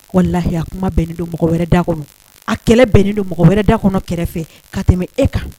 Wala lahiya kuma bɛnnen don mɔgɔ wɛrɛ da kɔnɔ a kɛlɛ bɛnnen don mɔgɔ wɛrɛ da kɔnɔ kɛrɛfɛ ka tɛmɛ e kan